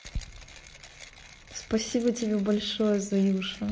спасибо тебе большое заюша